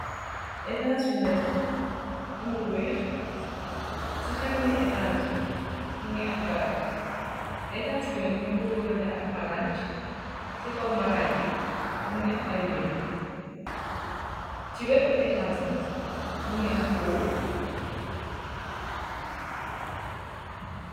Ètas bu neteh am lu wèèx, ci kanami ètas bi mungi am garap, ètas bi nak ñiñ ko waraleh ak maraj, si kaw Maraj bi mu am ay weñ, ci wetu ètas bi mu ngi am pól.